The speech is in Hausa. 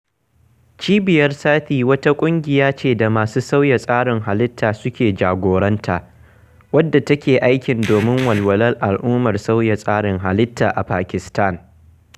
Cibiyar Sathi wata ƙungiya ce da masu sauya tsarin halitta suke jagoranta, wadda take aiki domin walwalar al'ummar sauya tsarin halitta a Pakistan.